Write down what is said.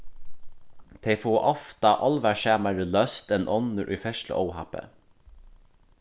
tey fáa ofta álvarsamari løst enn onnur í ferðsluóhappi